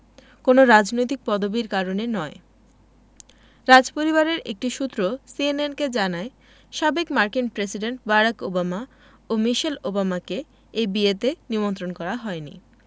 কোনো রাজনৈতিক পদবির কারণে নয় রাজপরিবারের একটি সূত্র সিএনএনকে জানায় সাবেক মার্কিন প্রেসিডেন্ট বারাক ওবামা ও মিশেল ওবামাকে এই বিয়েতে নিমন্ত্রণ করা হয়নি